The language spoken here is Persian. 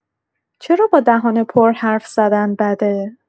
چرا با دهان پر حرف‌زدن بده؟